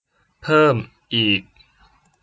เพิ่มอีก